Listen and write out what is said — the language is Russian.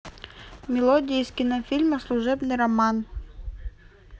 мелодия из кинофильма служебный роман